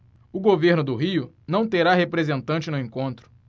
o governo do rio não terá representante no encontro